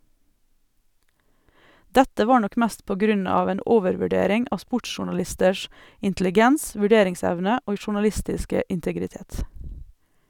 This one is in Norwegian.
Dette var nok mest på grunn av en overvurdering av sportsjournalisters intelligens, vurderingsevne og journalistiske integritet.